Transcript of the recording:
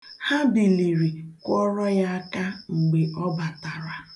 Ha biliri kụọrọ ya aka mgbe ọ batara.